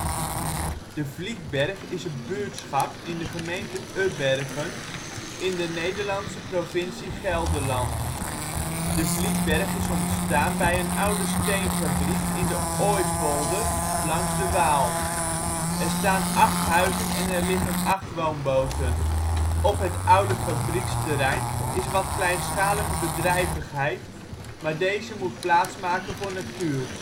buurtschap in de gemeente Ubbergen in de Nederlandse provincie Gelderland. De Vlietberg is ontstaan bij een oude steenfabriek in de Ooypolder langs de Waal. Er staan acht huizen en er liggen acht woonboten. Op het oude fabrieksterrein is wat kleinschalige bedrijvigheid maar deze moet plaatsmaken voor natuur